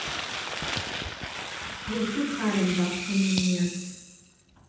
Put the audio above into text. Երկու քար են բախվում միմյանց…